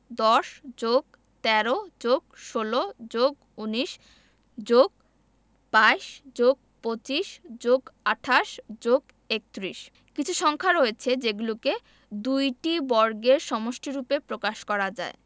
১০+১৩+১৬+১৯+২২+২৫+২৮+৩১ কিছু সংখ্যা রয়েছে যেগুলোকে দুইটি বর্গের সমষ্টিরুপে প্রকাশ করা যায়